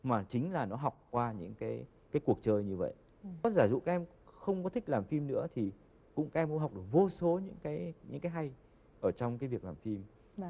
mà chính là nó học qua những cái cái cuộc chơi như vậy đó giả dụ các em không có thích làm phim nữa thì cũng các em cũng học được vô số những cái những cái hay ở trong cái việc làm phim